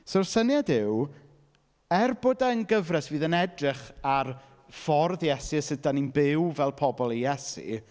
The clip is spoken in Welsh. So'r syniad yw er bod e'n gyfres fydd yn edrych ar ffordd Iesu a sut dan ni'n byw fel pobl i Iesu.